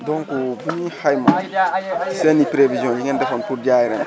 donc bu ñu xayma seeni prévision yi ngeen defoon pour jaay ren